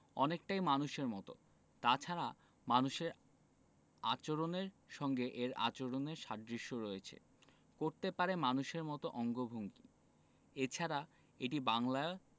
অনেকটাই মানুষের মতো তাছাড়া মানুষের আচরণের সঙ্গে এর আচরণের সাদৃশ্য রয়েছে করতে পারে মানুষের মতো অঙ্গভঙ্গি এছাড়া এটি বাংলায়